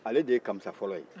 ale de ye kamisa fɔlɔ ye